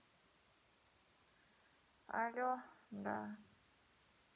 але да